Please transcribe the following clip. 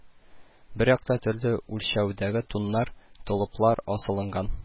Бер якта төрле үлчәүдәге туннар, толыплар асылынган